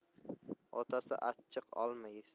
otasi achchiq olma